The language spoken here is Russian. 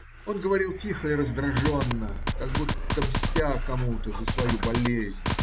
Он говорил тихо и раздраженно, как будто мстя кому-то за свою болезнь.